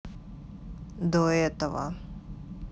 до этого